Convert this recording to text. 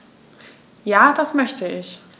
Ja, das möchte ich.